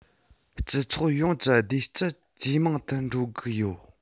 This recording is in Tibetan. སྤྱི ཚོགས ཡོངས ཀྱི བདེ སྐྱིད ཇེ མང དུ འགྲོ གི ཡོད